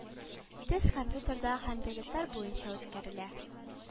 Тест компьютерда һәм билетлар буенча үткәрелә